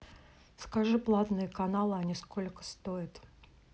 скажи платные каналы они сколько стоят